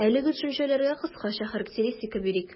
Әлеге төшенчәләргә кыскача характеристика бирик.